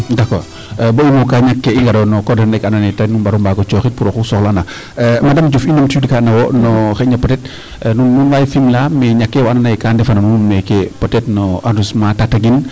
D' accord bo i muuka ñakee i ngarooyo no coordonner ke andoona yee ten nu mbaru mbaag o cooxit pour oxu soxlana madame Diouf i numtuwiid kaa na wo no xayna peut etre nuun waay Fimela mais ñakee wa andoona yee kaa ndefan a nuun meeke peut etre no arrodissement Tataguine